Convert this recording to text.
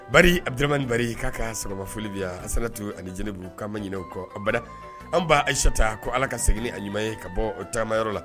Bary, Abdramane Bary, k’a ka sɔgɔma foli bɛ yan Assanatou a ni Djenebou k’an man ɲinɛ u kɔ abadan anw ba Aissata ko Allah ka segin ni a ɲuman ye kabɔ taamala